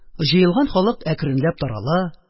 Җыелган халык әкренләп тарала,